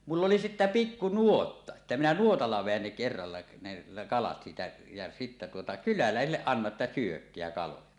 muille oli sitten pikku nuotta että minä nuotalla vedän ne kerralla ne kalat siitä ja sitten tuota kyläläisille annan että syökää kaloja